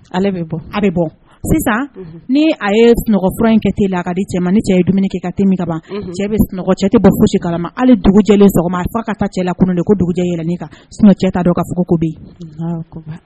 Ale bɛ bɔ ni a ye sunɔgɔ in kɛ ten la ka di cɛ ni cɛ ye dumuni kɛ ka cɛ tɛ bɔ kala alejɛ ka cɛ dugujɛ yɛlɛ ko